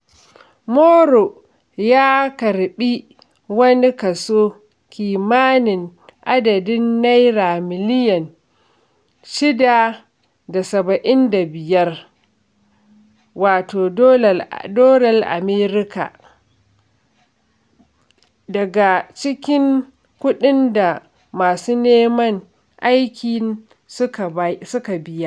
Moro ya karɓi wani kaso kimanin adadin naira miliyan 675 [wato dalar Amurka $1.8] daga cikin kuɗin da masu neman aikin suka biya.